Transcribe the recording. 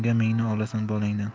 mingni olasan bolangdan